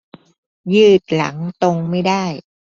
ยืดหลังตรงไม่ได้